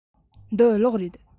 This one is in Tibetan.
འདི གློག རེད